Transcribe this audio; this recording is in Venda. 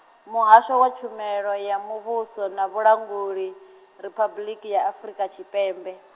Muhasho wa Tshumelo ya Muvhuso na Vhulanguli, Riphabuḽiki ya Afrika Tshipembe.